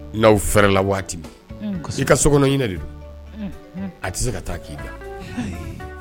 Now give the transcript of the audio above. N'aw fɛrɛ la waati kasi ka sokɔnɔ ɲɛna de don a tɛ se ka taa k'i da